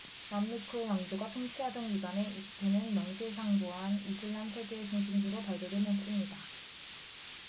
맘루크 왕조가 통치하던 기간에 이집트는 명실상부한 이슬람 세계의 중심지로 발돋움했습니다